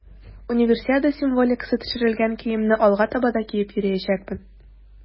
Универсиада символикасы төшерелгән киемне алга таба да киеп йөриячәкмен.